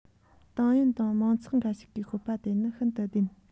ཏང ཡོན དང མང ཚོགས འགའ ཞིག གིས ཤོད པ དེ ནི ཤིན ཏུ བདེན